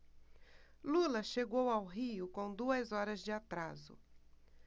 lula chegou ao rio com duas horas de atraso